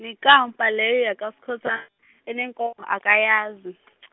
nekampa leyo kaSkhosa-, eneenkomo akayazi .